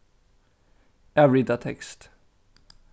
avrita tekst